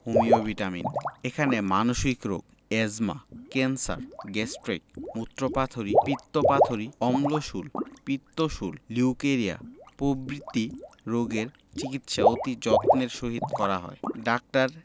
homeo vitamin এখানে মানসিক রোগ এ্যজমা ক্যান্সার গ্যাস্ট্রিক মুত্রপাথড়ী পিত্তপাথড়ী অম্লশূল পিত্তশূল লিউকেরিয়া প্রভৃতি রোগের চিকিৎসা অতি যত্নের সহিত করা হয় ডাঃ